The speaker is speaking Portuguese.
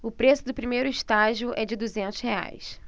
o preço do primeiro estágio é de duzentos reais